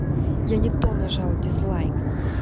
я не то нажал дизлайк